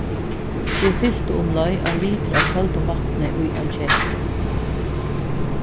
vit fyltu umleið ein litur av køldum vatni í ein ketil